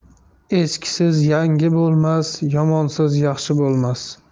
eskisiz yangi bo'lmas yomonsiz yaxshi bo'lmas